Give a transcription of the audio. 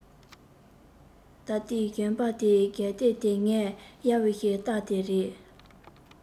ད ལྟའི གཞོན པ དེའི གདན ལྷེབ དེ ངས གཡར བའི རྟ དེ རེད